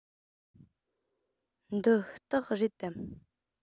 འདི སྟག རེད དམ